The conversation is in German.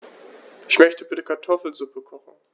Ich möchte bitte Kartoffelsuppe kochen.